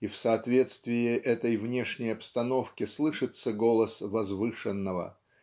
и в соответствие этой внешней обстановке слышится голос Возвышенного